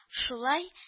Шулай